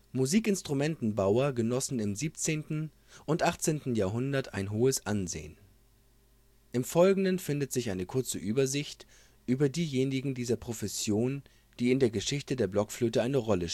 Musikinstrumentenbauer genossen im 17. und 18. Jahrhundert ein hohes Ansehen; im folgenden findet sich eine kurze Übersicht über die diejenigen dieser Profession, die in der Geschichte der Blockflöte eine Rolle